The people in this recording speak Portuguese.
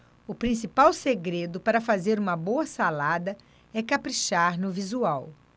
o principal segredo para fazer uma boa salada é caprichar no visual